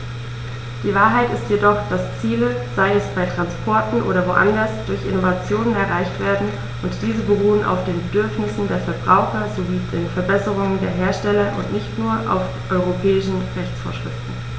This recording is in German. Die Wahrheit ist jedoch, dass Ziele, sei es bei Transportern oder woanders, durch Innovationen erreicht werden, und diese beruhen auf den Bedürfnissen der Verbraucher sowie den Verbesserungen der Hersteller und nicht nur auf europäischen Rechtsvorschriften.